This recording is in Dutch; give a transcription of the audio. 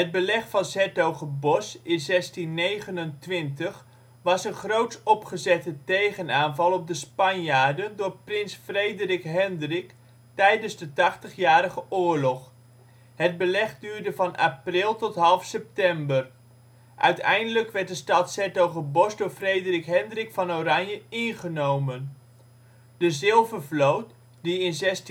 Beleg van ' s-Hertogenbosch in 1629 was een groots opgezette tegenaanval op de Spanjaarden door prins Frederik Hendrik, tijdens de Tachtigjarige Oorlog. Het beleg duurde van april tot half september. Uiteindelijk werd de stad ' s-Hertogenbosch door Frederik Hendrik van Oranje ingenomen. De Zilvervloot die in